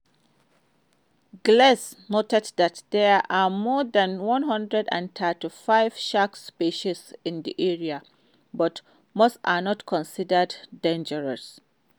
Giles noted that there are more than 135 shark species in the area, but most are not considered dangerous.